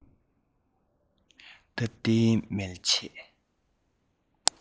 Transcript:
སྟབས བདེའི མལ ཆས